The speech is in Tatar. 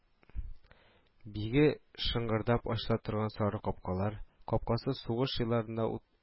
Биге шыңгырдап ачыла торган сары капкалар, капкасы сугыш елларында